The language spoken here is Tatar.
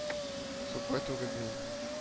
Сукбай түгел мин